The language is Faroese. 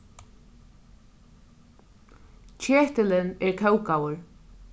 ketilin er kókaður